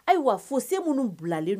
Ayiwa fossé minnu bilalen